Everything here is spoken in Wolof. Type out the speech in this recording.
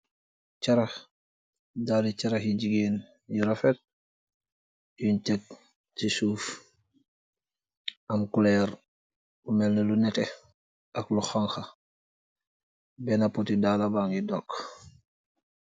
Charah , dalle charah he jegain yu refet yun tek se suff, am coolor bu melne lu neete ak lu honha, bena pote dalla bage dong.